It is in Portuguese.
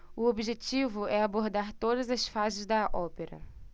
o objetivo é abordar todas as fases da ópera